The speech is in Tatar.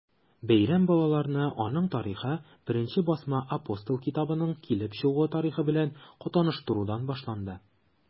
Бәйрәм балаларны аның тарихы, беренче басма “Апостол” китабының килеп чыгу тарихы белән таныштырудан башланды.